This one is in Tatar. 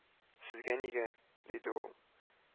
— сезгә нигә? — диде ул